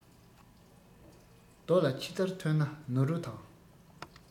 རྡོ ལ ཕྱི བདར ཐོན ན ནོར བུ དང